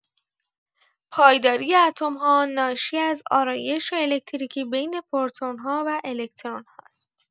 پایداری اتم‌ها ناشی از آرایش الکتریکی بین پروتون‌ها و الکترون‌ها است.